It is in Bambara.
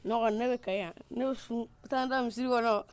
ne kɔni ne bɛ kayi yan ne bɛ sun ka taa n da misiri kɔnɔ